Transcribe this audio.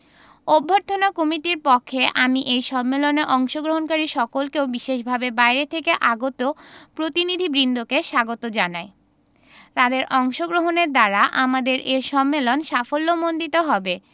অভ্যর্থনা কমিটির পক্ষে আমি এই সম্মেলনে অংশগ্রহণকারী সকলকে ও বিশেষভাবে বাইরে থেকে আগত প্রতিনিধিবৃন্দকে স্বাগত জানাই তাদের অংশগ্রহণের দ্বারা আমাদের এ সম্মেলন সাফল্যমণ্ডিত হবে